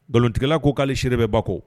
Nkalontigɛla ko'ale seere bɛ ba